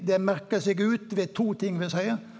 det merkar seg ut ved to ting vil eg seie.